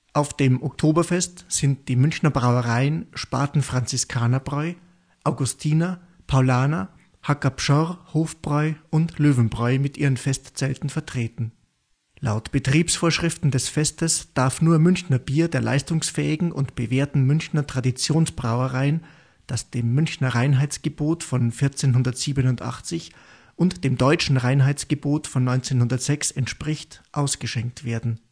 Auf dem Oktoberfest sind die Münchner Brauereien Spaten-Franziskaner-Bräu, Augustiner, Paulaner, Hacker-Pschorr, Hofbräu und Löwenbräu mit ihren Festzelten vertreten. Laut Betriebsvorschriften des Festes darf nur Münchner Bier der leistungsfähigen und bewährten Münchner Traditionsbrauereien, das dem Münchner Reinheitsgebot von 1487 und dem Deutschen Reinheitsgebot von 1906 entspricht, ausgeschenkt werden